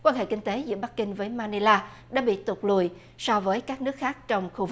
quan hệ kinh tế giữa bắc kinh với ma ni la đã bị tụt lùi so với các nước khác trong khu